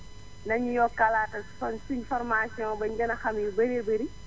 nañu ñu yokkalaatal kon suñu formation bañ gën a xam lu baree bari